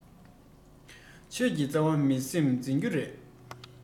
ཆོས ཀྱི རྩ བ མི སེམས འཛིན རྒྱུ རེད